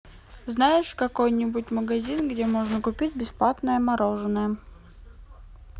знаешь какой нибудь магазин где можно купить бесплатное мороженое